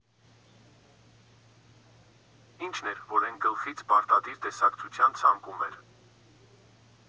Ի՞նչն էր, որ էն գլխից պարտադիր տեսակցության ցանկում էր։